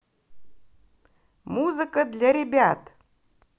музыка для ребят